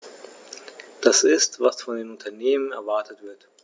Das ist, was von den Unternehmen erwartet wird.